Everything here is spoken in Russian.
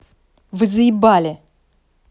вы заебали